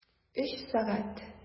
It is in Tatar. Өч сәгать!